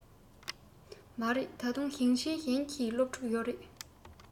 མ རེད ད དུང ཞིང ཆེན གཞན གྱི སློབ ཕྲུག ཡོད རེད